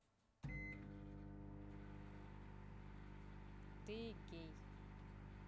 ты гей